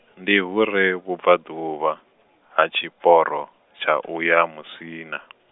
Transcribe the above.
ndi hu re vhubvaḓuvha, ha tshiporo, tsha u ya Musina .